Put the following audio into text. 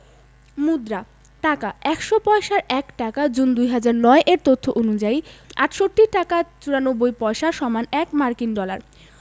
মুদ্রা টাকা ১০০ পয়সায় ১ টাকা জুন ২০০৯ এর তথ্য অনুযায়ী ৬৮ টাকা ৯৪ পয়সা = ১ মার্কিন ডলার